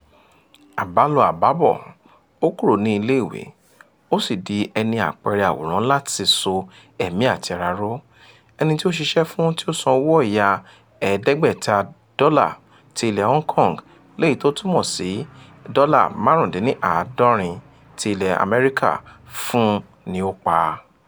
Àbálọ àbábọ̀, ó kúrò ní ilé-ìwé, ó sì di ẹni-àpẹẹrẹ àwòrán láti so ẹ̀mí àti ara ró. Ẹni tí ó ṣiṣẹ́ fún tí ó san owó ọ̀yà HK$500 dollars (US$65) fún un ni ó pa a.